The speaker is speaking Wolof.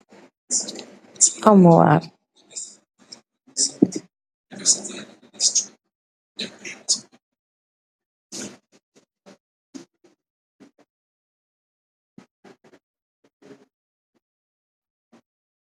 Armuwaar